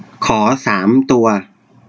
ขอสามตัว